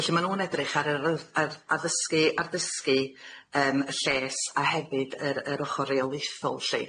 Felly ma' nw'n edrych ar yr r- ar addysgu, ar ddysgu, yym y lles, a hefyd yr yr ochor reolaethol lly.